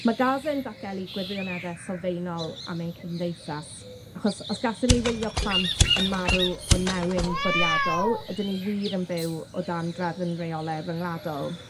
Ma' Gaza yn datgelu gwirionedde sylfaenol am ein cymdeithas, achos os gallwn ni wylio plant yn marw o newyn bwriadol, ydyn ni wir yn byw o dyn drefn reole ryngwladol.